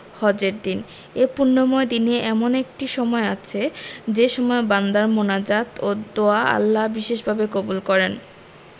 হজের দিন এ পুণ্যময় দিনে এমন একটি সময় আছে যে সময় বান্দার মোনাজাত ও দোয়া আল্লাহ বিশেষভাবে কবুল করেন